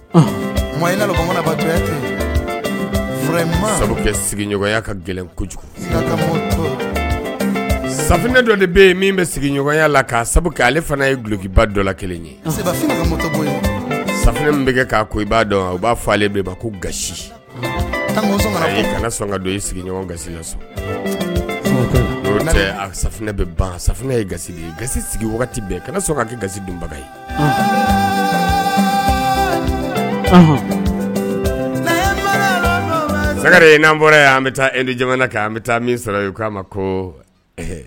Gɛlɛn kojugu bɛ sigi ale fana yea b'a fɔ ko ga sigi sigi kana ga donbaga in nan bɔra an bɛ taa e jamana kan an bɛ min sara k'a ma ko